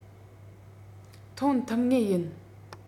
ཐོན ཐུབ ངེས ཡིན